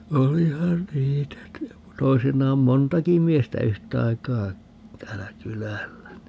olihan niitä toisinaan montakin miestä yhtaikaa täällä kylällä niin